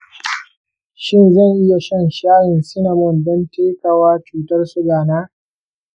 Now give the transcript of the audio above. shin zan iya shan shayin cinnamon don taikawa cutar suga na?